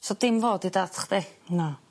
So dim fo 'di dad chdi? Na.